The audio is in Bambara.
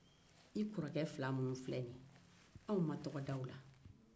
anw ma tɔgɔ da i kɔrɔkɛ fila ninnu na